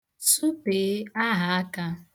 Supee ahaaka.